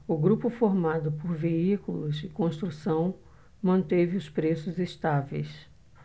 o grupo formado por veículos e construção manteve os preços estáveis